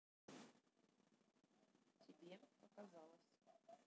тебе показалось